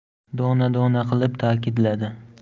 dona dona qilib ta'kidladi